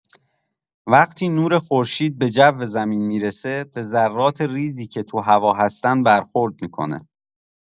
وقتی نور خورشید به جو زمین می‌رسه، به ذرات ریزی که تو هوا هستن برخورد می‌کنه.